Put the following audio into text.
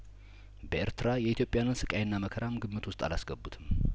በኤርትራ የኢትዮጵያውያንን ስቃይና መከራም ግምት ውስጥ አላስገቡትም